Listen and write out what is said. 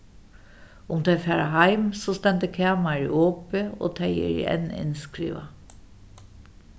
um tey fara heim so stendur kamarið opið og tey eru enn innskrivað